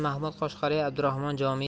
mahmud koshg'ariy abdurahmon jomiy